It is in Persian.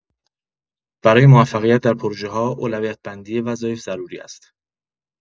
برای موفقیت در پروژه‌ها، اولویت‌بندی وظایف ضروری است.